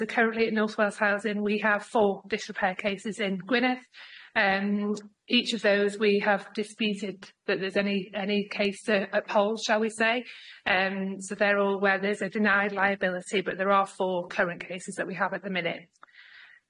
As of currently in North Wales housing we have four dis-repair cases in Gwynedd and each of those we have disputed that there's any any case to uphold shall we say and so they're all well there's a denied liability but there are four current cases that we have at the minute.